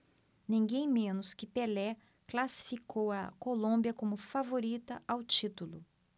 ninguém menos que pelé classificou a colômbia como favorita ao título